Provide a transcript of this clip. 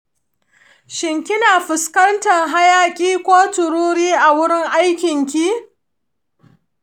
shin kina fuskantar hayaki ko tururi a wurin aikinki?